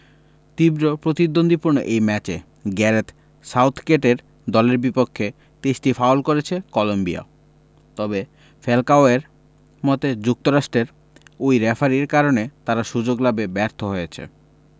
তীব্র প্রতিদ্বন্দ্বিপূর্ণ ওই ম্যাচে গ্যারেথ সাউথগেটের দলের বিপক্ষে ২৩টি ফাউল করেছে কলম্বিয়া তবে ফ্যালকাওয়ের মতে যুক্তরাষ্ট্রের ওই রেফারির কারণে তারা সুযোগ লাভে ব্যর্থ হয়েছে